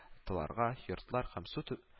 Тыларга, йортлар һәм су тө